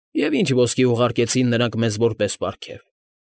Եվ ի՞նչ ոսկկի ուղարկեցին նրանք մեզ որպես պարգև։